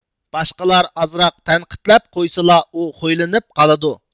باشقىلار ئازراق تەنقىدلەپ قويسىلا ئۇ خۇيلىنىپ قالىدۇ